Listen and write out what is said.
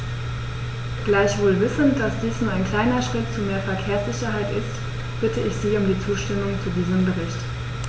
Gleichwohl wissend, dass dies nur ein kleiner Schritt zu mehr Verkehrssicherheit ist, bitte ich Sie um die Zustimmung zu diesem Bericht.